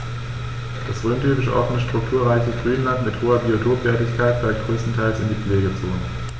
Das rhöntypische offene, strukturreiche Grünland mit hoher Biotopwertigkeit fällt größtenteils in die Pflegezone.